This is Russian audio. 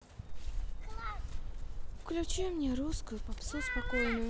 включи мне русскую попсу спокойную